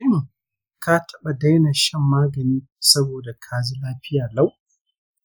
shin ka taba daina shan magani saboda kaji lafiya lau?